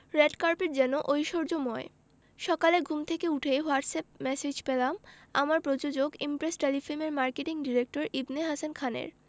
red carpet যেন ঐশ্বর্যময় সকালে ঘুম থেকে উঠেই হোয়াটসঅ্যাপ ম্যাসেজ পেলাম আমার প্রযোজক ইমপ্রেস টেলিফিল্মের মার্কেটিং ডিরেক্টর ইবনে হাসান খানের